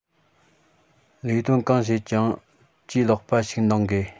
ལས དོན གང བྱེད ཀྱང ཇུས ལེགས པ ཞིག གདིང དགོས